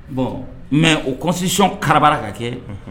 Bon mais o constitution karabara ka kɛ